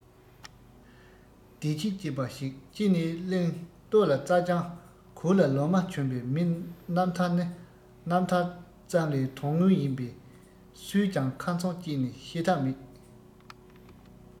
བདེ སྐྱིད ཅེས པ ཞིག ཅི ནས གླེང ལྟོ ལ རྩྭ ལྗང གོས ལ ལོ མ གྱོན པའི མི རྣམ ཐར ནི རྣམ ཐར ཙམ ལས དོན དངོས ཡིན པ སུས ཀྱང ཁ ཚོན བཅད ནས བཤད ཐབས མེད